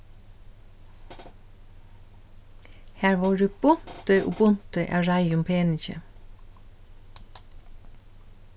har vóru bunti og bunti av reiðum peningi